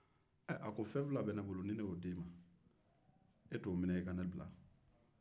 a ko fɛn fila bɛ ne bolo ni ne ye o di e ma sisan e t'o minɛ ka ne bila